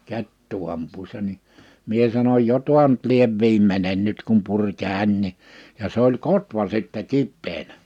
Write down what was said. kettua ampuessa niin minä sanoin jo tuo nyt lie viimeinen nyt kun puri kädenkin ja se oli kotvan sitten kipeänä